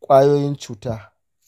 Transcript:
kwayoyin cuta?